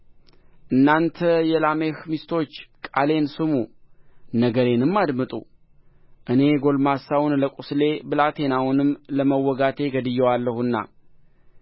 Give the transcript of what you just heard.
እናንት የላሜሕ ሚስቶች ቃሌን ስሙ ነገሬንም አድምጡ እኔ ጕልማሳውን ለቍስሌ ብላቴናውንም ለመወጋቴ ገድዬዋለሁና